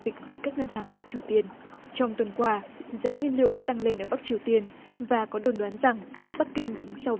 dịch với các ngân hàng bắc triều tiên trong tuần qua giá nhiên liệu đã tăng lên ở bắc triều tiên và có đồn đoán rằng bắc kinh đứng sau